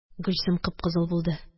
Гөлсем кып-кызыл булды